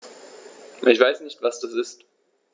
Ich weiß nicht, was das ist.